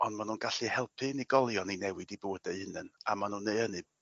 On' ma' n'w'n gallu helpu unigolion i newid 'u bywde 'u hunan a ma' nw'n neu' hynny